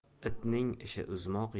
itning ishi uzmoq